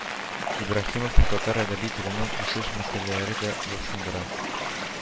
Ибраһимовны татар әдәби теленең үсеш мәсьәләләре дә кызыксындыра